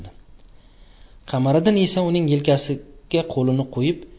qamariddin esa uning yelkasiga qo'lini qo'yib